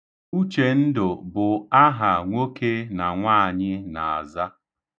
Uchendụ bụ aha nwoke na nwaanyị na-aza.